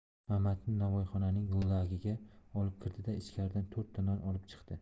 mamatni novvoyxonaning yo'lagiga olib kirdida ichkaridan to'rtta non olib chiqdi